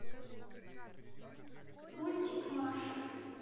мультик маша